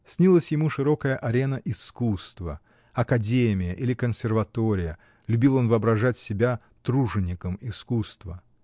Снилась ему широкая арена искусства: академия или консерватория, любил он воображать себя тружеником искусства.